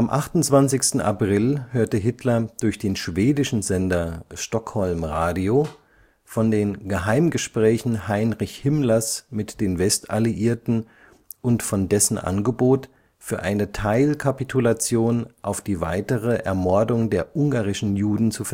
28. April hörte Hitler durch den schwedischen Sender Stockholm Radio von den Geheimgesprächen Heinrich Himmlers mit den Westalliierten und von dessen Angebot, für eine Teilkapitulation auf die weitere Ermordung der ungarischen Juden zu